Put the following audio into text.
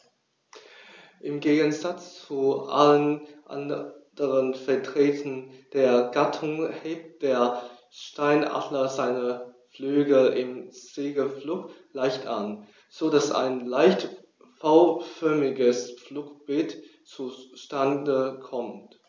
Im Gegensatz zu allen anderen Vertretern der Gattung hebt der Steinadler seine Flügel im Segelflug leicht an, so dass ein leicht V-förmiges Flugbild zustande kommt.